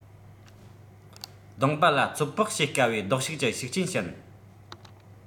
མདོང པ ལ ཚོད དཔག བྱེད དཀའ བའི ལྡོག ཕྱོགས ཀྱི ཤུགས རྐྱེན བྱིན